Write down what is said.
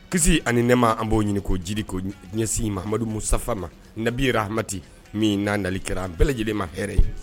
Kisi ani nɛ ma an b'o ɲini ko jiri ko ɲɛsinmadu musa na nabira hamati min n'a nali kɛra an bɛɛ lajɛlen ma hɛrɛ ye